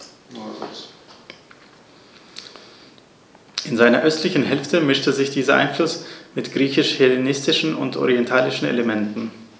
In seiner östlichen Hälfte mischte sich dieser Einfluss mit griechisch-hellenistischen und orientalischen Elementen.